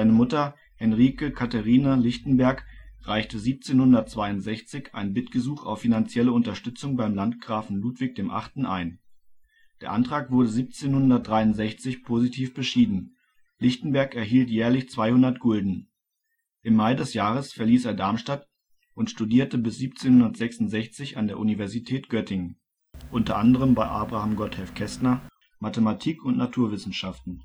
Mutter Henrike Catherine Lichtenberg reichte 1762 ein Bittgesuch auf finanzielle Unterstützung beim Landgrafen Ludwig VIII. ein. Der Antrag wurde 1763 positiv beschieden, Lichtenberg erhielt jährlich 200 Gulden. Im Mai des Jahres verließ er Darmstadt und studierte bis 1766 an der Universität Göttingen - unter anderem bei Abraham Gotthelf Kästner - Mathematik und Naturwissenschaften